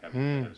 mm